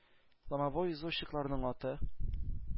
Ломовой извозчикларның аты